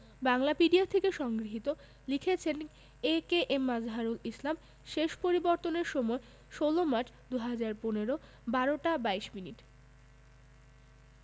বাংলাপিডিয়া থেকে সংগৃহীত লিখেছেনঃ এ.কে.এম মাযহারুল ইসলাম শেষ পরিবর্তনের সময় ১৬ মার্চ ২০১৫ ১২টা ২২ মিনিট